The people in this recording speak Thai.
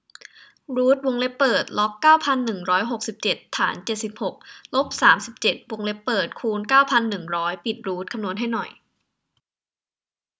รูทวงเล็บเปิดล็อกเก้าพันหนึ่งร้อยหกสิบเจ็ดฐานเจ็ดสิบหกลบสามสิบเจ็ดวงเล็บปิดคูณเก้าหนึ่งร้อยปิดรูทคำนวณให้หน่อย